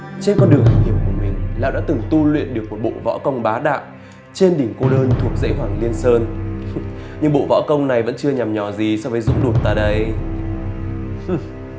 trên con đường hành hiệp của mình lão đã từng tu luyện được một bộ võ công bá đạo trên đỉnh cô đơn thuộc dãy hoàng liên sơn nhưng bộ võ công này vẫn chưa nhằm nhò gì so với dũng đụt ta đây hư